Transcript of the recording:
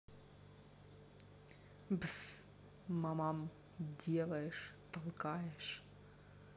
bcc мамам делаешь толкаешь